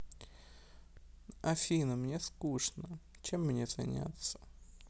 афина мне скучно чем мне заняться